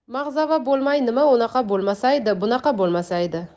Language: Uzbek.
mag'zava bo'lmay nima unaqa bo'lmasaydi bunaqa bo'lmasaydi